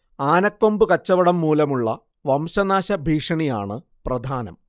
ആനക്കൊമ്പ് കച്ചവടം മൂലമുള്ള വംശനാശ ഭീഷണിയാണ് പ്രധാനം